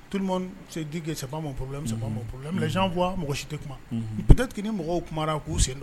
To se di saba ma p saba mafa mɔgɔ si tɛ kuma ptetigi ni mɔgɔw kuma k'u sen